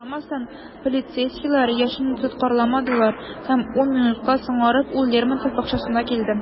Шуңа да карамастан, полицейскийлар Яшинны тоткарламадылар - һәм ун минутка соңарып, ул Лермонтов бакчасына килде.